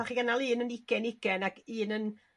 natha chi gnnal un yn ugain ugain ag un yn